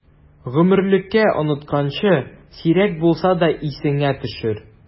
Гомерлеккә онытканчы, сирәк булса да исеңә төшер!